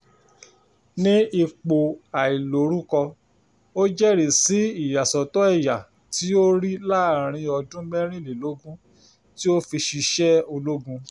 Ní ipò àìlórúkọ, ó jẹ́rìí sí ìyàsọ́tọ̀ ẹ̀yà tí ó rí láàárín ọdún mẹ́rìnlélógún tí ó fi ṣiṣẹ́ ológun: